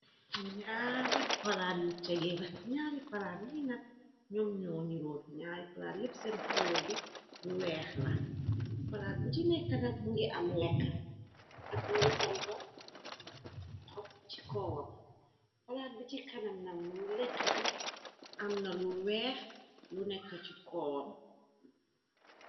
ñaari palaat yi nak ñoom ñoo niroon ñaari palaat yépp seen puloor bi bu weex la palaat bi ci nekkanak bu ngi am lekka ak mu ngi sampa xop ci koowam palaat bi ci kanam namnam lekk gi am na lu weex lu nekk ci koowam